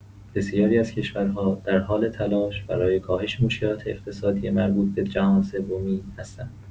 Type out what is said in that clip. بسیاری از کشورها در حال تلاش برای کاهش مشکلات اقتصادی مربوط به جهان‌سومی هستند.